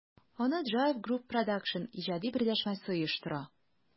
Аны JIVE Group Produсtion иҗади берләшмәсе оештыра.